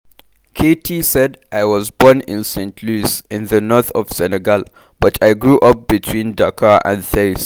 Keyti : I was born in Saint-Louis in the north of Senegal but I grew up between Dakar and Thiès.